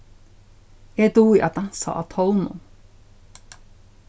eg dugi at dansa á tónum